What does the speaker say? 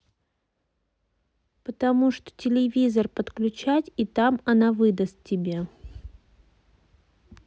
потому что телевизор подключать и там она выдаст тебе